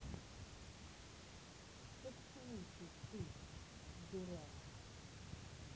так слушай ты дурак